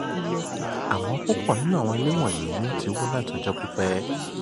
Àmọ́ púpọ̀ nínú àwọn ilé wọ̀nyí ni ó ti wó láti ọjọ́ pípẹ́.